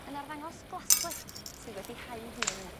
yn arddangos glaswellt sydd wedi hau 'u hun yna.